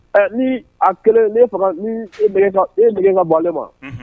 Ee a kelen, e fanga ,n'i e nege ka bɔ ale ma unhun